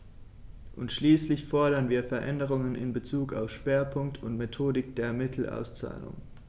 Und schließlich fordern wir Veränderungen in bezug auf Schwerpunkt und Methodik der Mittelauszahlung.